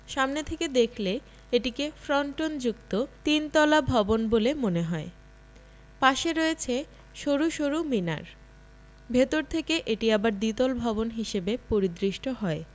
সামনে থেকে দেখলে এটিকে ফ্রন্টনযুক্ত তিন তলা ভবন বলে মনে হয় পাশে রয়েছে সরু সরু মিনার ভেতর থেকে এটি আবার দ্বিতল ভবন হিসেবে পরিদৃষ্ট হয়